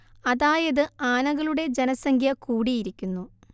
അതായത് ആനകളുടെ ജനസംഖ്യ കൂടിയിരിക്കുന്നു